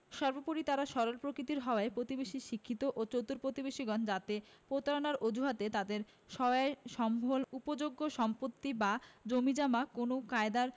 সর্বপরি তারা সরল প্রকৃতির হওয়ায় প্রতিবেশী শিক্ষিত ও চতুর প্রতিবেশীগণ যাতে প্রতারণার অজুহাতে তাদের সহায় সম্ভল উপযোগ্য সম্পত্তি বা জমিজমা কোনও কায়দায়